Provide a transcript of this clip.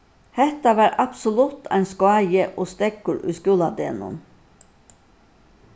hetta var absolutt ein skái og steðgur í skúladegnum